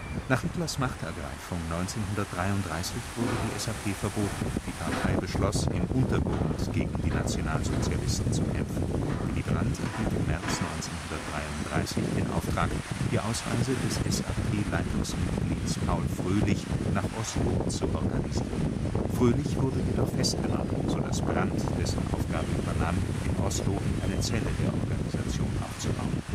Nach Hitlers Machtergreifung 1933 wurde die SAP verboten. Die Partei beschloss, im Untergrund gegen die Nationalsozialisten zu kämpfen. Willy Brandt erhielt im März 1933 den Auftrag, die Ausreise des SAP-Leitungsmitglieds Paul Frölich nach Oslo zu organisieren. Frölich wurde jedoch festgenommen, sodass Brandt dessen Aufgabe übernahm, in Oslo eine Zelle der Organisation aufzubauen